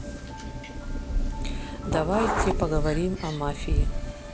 давайте поговорим о мафии